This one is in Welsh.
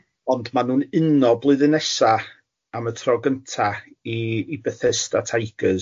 ...ond ma' nhw'n uno blwyddyn nesa am y tro gynta i i Bethesda Tigers.